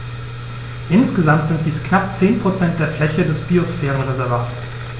Insgesamt sind dies knapp 10 % der Fläche des Biosphärenreservates.